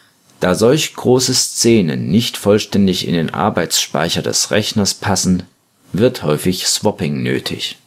Da solch große Szenen nicht vollständig in den Arbeitsspeicher des Rechners passen, wird häufig Swapping nötig